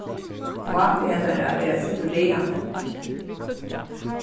pápi hennara er eitt sindur ræðandi